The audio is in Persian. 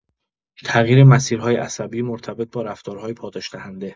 تغییر مسیرهای عصبی مرتبط با رفتارهای پاداش‌دهنده